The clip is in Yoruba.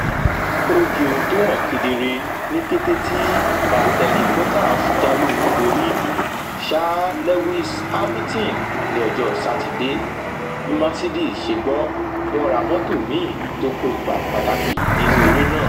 Ó di ohun tó hàn kedere ní kété tí Valtteri Bottas jáwé olúborí ṣáá Lewis Hamiton ni ọjọ́ Sátidé. Bí Mercedes ṣe gbọ́, wọ́n ra mọ́tò míì tó kó ipa pàtàkì nínú eré náà.